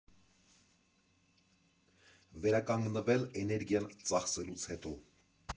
Վերականգնվել էներգիան ծախսելուց հետո։